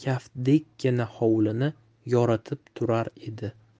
kaftdekkina hovlini yoritib turar edi